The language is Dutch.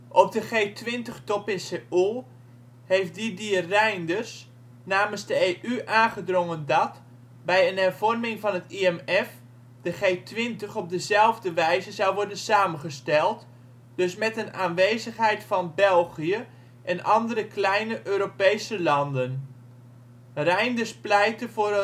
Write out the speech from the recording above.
Op de G20-top in Seoul heeft Didier Reynders namens de EU aangedrongen dat, bij een hervorming van het IMF, de G20 op dezelfde wijze zou worden samengesteld, dus met een aanwezigheid van België en andere kleine Europese landen. Reynders pleitte voor